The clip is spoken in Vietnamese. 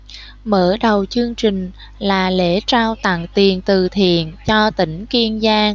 mở đầu chương trình là lễ trao tặng tiền từ thiện cho tỉnh kiên giang